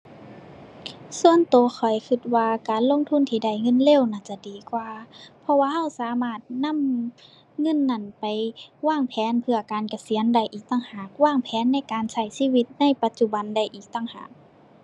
ส่วนตัวข้อยตัวว่าการลงทุนที่ได้เงินเร็วน่าจะดีกว่า เพราะว่าตัวสามารถนำเงินนั้นไปวางแผนเพื่อการเกษียณได้อีกต่างหาก วางแผนในการใช้ชีวิตในปัจจุบันได้อีกต่างหาก